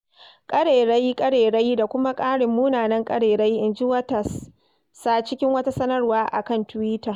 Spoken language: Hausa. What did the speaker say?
Ƙarerayi, ƙarerayi, da kuma ƙarin munanan ƙarerayi, inji Waters sa cikin wata sanarwa a kan Twitter.